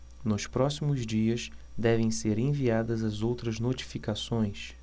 nos próximos dias devem ser enviadas as outras notificações